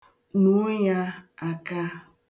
Nuo ya aka.